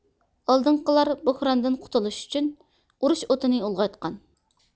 ئالدىنقىلار بۇھراندىن قۇتۇلۇش ئۈچۈن ئۇرۇش ئوتىنى ئۇلغايتقان